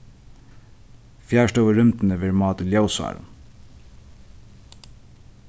fjarstøða í rúmdini verður mátað í ljósárum